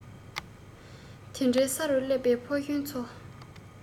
དེ འདྲའི ས རུ སླེབས པའི ཕོ གཞོན ཚོ